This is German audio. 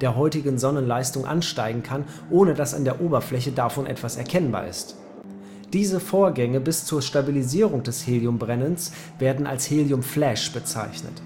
der heutigen Sonnenleistung ansteigen kann, ohne dass an der Oberfläche davon etwas erkennbar ist. Diese Vorgänge bis zur Stabilisierung des Heliumbrennens werden als Heliumflash bezeichnet.